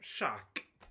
Shaq.